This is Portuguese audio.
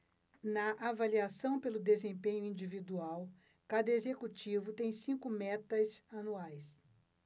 na avaliação pelo desempenho individual cada executivo tem cinco metas anuais